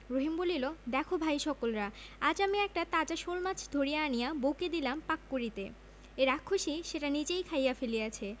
রহিম বলিল দেখ ভাই সকলরা আজ আমি একটা তাজা শোলমাছ ধরিয়া আনিয়া বউকে দিলাম পাক করিতে এই রাক্ষসী সেটা নিজেই খাইয়া ফেলিয়াছে